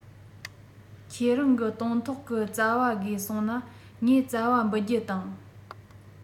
ཁྱེད རང གི སྟོན ཐོག གི ཙ བ དགོས གསུངས ན ངས ཙ བ འབུལ རྒྱུ དང